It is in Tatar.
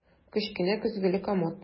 Кечкенә көзгеле комод.